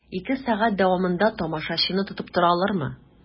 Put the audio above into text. Ике сәгать дәвамында тамашачыны тотып тора алырмы?